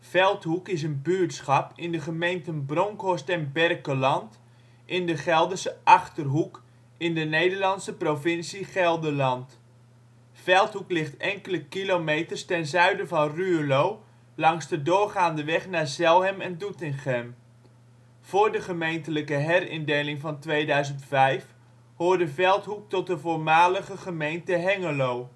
Veldhoek is een buurtschap in de gemeenten Bronckhorst en de Berkelland in de Gelderse Achterhoek, in de Nederlandse provincie Gelderland. Veldhoek ligt enkele kilometers (5 km) ten zuiden van Ruurlo langs de doorgaande weg naar Zelhem en Doetinchem. Voor de gemeentelijke herindeling van 2005 hoorde Veldhoek tot de voormalige gemeente Hengelo